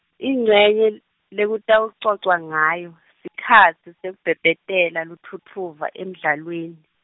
incenye l- lekutawucocwa ngayo, sikhatsi sekubhebhetela lutfutfuva emdlalweni.